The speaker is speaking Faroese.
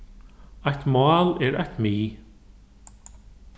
eitt mál er eitt mið